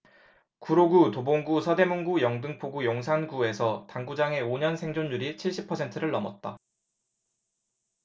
구로구 도봉구 서대문구 영등포구 용산구에서 당구장의 오 년 생존율이 칠십 퍼센트를 넘었다